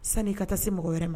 Sann'i ka taa se mɔgɔ wɛrɛ ma